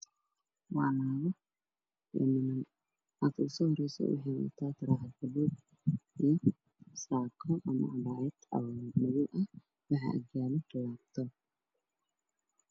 Waa naago iyo niman naagta ugu soo horeyso waxay wadataa taraaxad baluug saako ama cabaayad mad madow ah waxa ag yaalo laptop